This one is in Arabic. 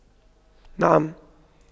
نعم